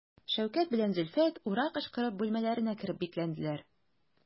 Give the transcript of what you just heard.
Шәүкәт белән Зөлфәт «ура» кычкырып бүлмәләренә кереп бикләнделәр.